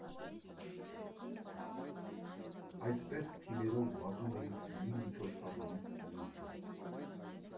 Այդպես թիմերով վազում էինք մի միջոցառումից մյուսը։